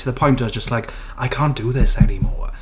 To the point where I was just like I can't do this anymore.